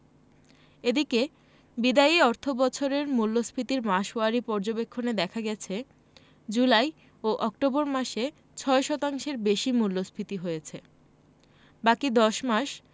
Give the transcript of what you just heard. এদিকে বিদায়ী অর্থবছরের মূল্যস্ফীতির মাসওয়ারি পর্যবেক্ষণে দেখা গেছে জুলাই ও অক্টোবর মাসে ৬ শতাংশের বেশি মূল্যস্ফীতি হয়েছে বাকি ১০ মাস